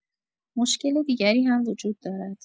مشکل دیگری هم وجود دارد.